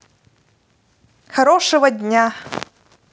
хорошего дня